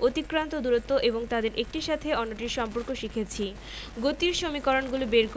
ভরবেগ এবং সংঘর্ষ ব্যাখ্যা করতে পারব গতির উপর বলের